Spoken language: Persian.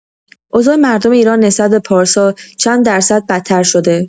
اوضاع مردم ایران نسبت به پارسال چنددرصد بدتر شده؟